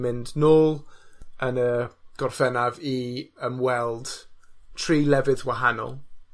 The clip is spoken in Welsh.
mynd nôl yn y gorffennaf i ymweld tri lefydd wahanol.